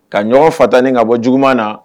Ka ɲɔgɔn fata ni ka bɔ juguman na